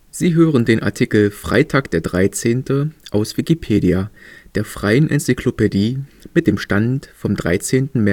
Sie hören den Artikel Freitag, der 13., aus Wikipedia, der freien Enzyklopädie. Mit dem Stand vom Der